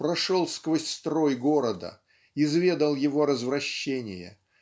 прошел сквозь строй города изведал его развращение